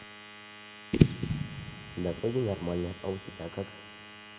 да вроде нормально а у тебя как